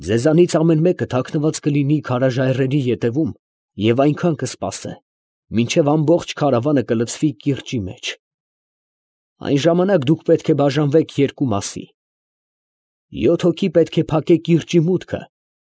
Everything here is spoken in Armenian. Ձեզանից ամեն մեկը թաքնված կլինի քարաժայռերի ետևում և այնքան կսպասե, մինչև ամբողջ քարավանը կլցվի կիրճի մեջ. այն ժամանակ դուք պետք է բաժանվեք երկու մասն, յոթ հոգի պետք է փակե կիրճի մուտքը,